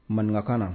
Maninkakan na